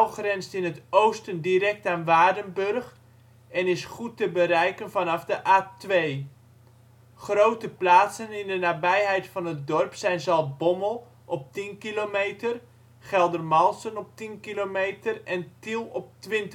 grenst in het oosten direct aan Waardenburg en is goed te bereiken vanaf de A2. Grote plaatsen in de nabijheid van het dorp zijn Zaltbommel 10 km, Geldermalsen 10 km en Tiel 20